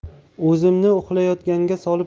o'zimni uxlayotganga solib